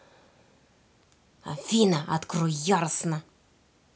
афина открой яростно